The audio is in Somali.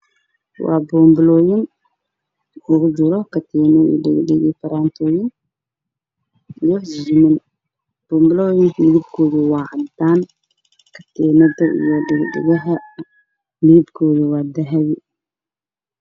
Waa boon balooyin ugu jiro katiimo dhago dhago iyo faraanti ziino boon balooyinka midab kooda waa cadaan ka tiinada iyo dhaga dhaga ha midab kooda waa dahabi